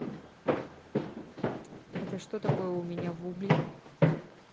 это что такое у меня в угли